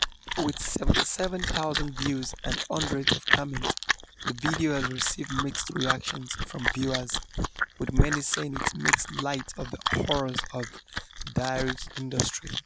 With 77,000 views and hundreds of comments, the video has received mixed reactions from viewers, with many saying it makes light of the "horrors" of the dairy industry.